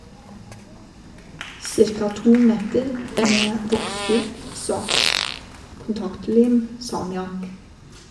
Cirka to meter med voksduk, saks, kontaktlim, salmiakk.